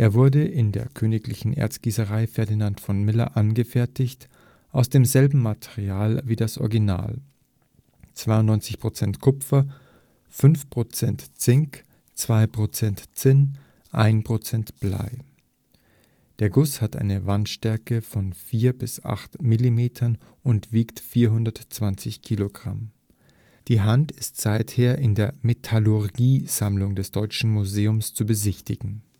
wurde in der Königlichen Erzgießerei Ferdinand von Miller angefertigt, aus demselben Material wie das Original (92 % Kupfer, 5 % Zink, 2 % Zinn, 1 % Blei). Der Guss hat eine Wandstärke von 4-8 Millimetern und wiegt 420 Kilogramm. Die Hand ist seither in der Metallurgie-Sammlung des Deutschen Museums zu besichtigen